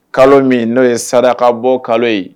Kalo min no ye saraka bɔ kalo ye.